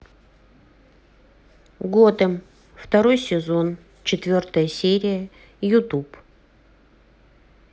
готэм второй сезон четвертая серия ютуб